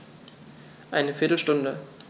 Eine viertel Stunde